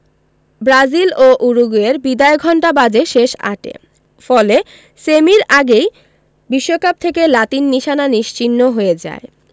Brazil ও উরুগুয়ের বিদায়ঘণ্টা বাজে শেষ আটে ফলে সেমির আগেই বিশ্বকাপ থেকে লাতিন নিশানা নিশ্চিহ্ন হয়ে যায়